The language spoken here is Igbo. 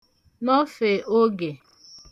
nofè ogè